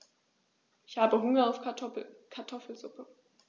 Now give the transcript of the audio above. Ich habe Hunger auf Kartoffelsuppe.